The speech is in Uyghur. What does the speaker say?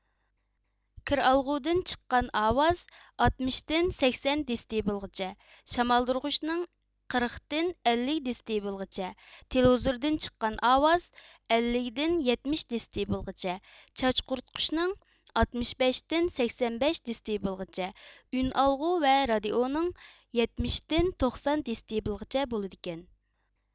كىرئالغۇدىن چىققان ئاۋاز ئاتمىش تىن سەكسەن دېتسبېلغىچە شامالدۇرغۇچنىڭ قىرىق تىن ئەللىك دېتسبېلغىچە تېلېۋىزوردىن چىققان ئاۋاز ئەللىك تىن يەتمىش دېتسبېلغىچە چاچ قۇرۇتقۇچنىڭ ئاتمىش بەش تىن سەكسەن بەش دېتسبېلغىچە ئۈنئالغۇ ۋە رادىئونىڭ يەتمىش تىن توقسەن دېتسىبېلغىچە بولىدىكەن